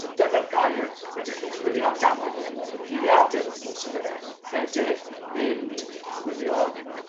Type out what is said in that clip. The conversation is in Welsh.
So dyna'r gair rydych chi'n chwilio amdano fe yn y yn y geiriadur wrth gwrs on'd yfe? Rhedeg, mynd, chwilio.